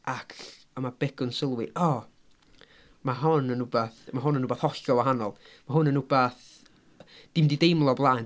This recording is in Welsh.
Ac a mae Begw'n sylwi "o" "mae hon yn wbath mae hwn yn wbath hollol wahanol." Mae hwn yn wbath 'di'm 'di deimlo o blaen.